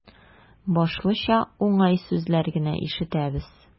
Башлыча, уңай сүзләр генә ишетәбез.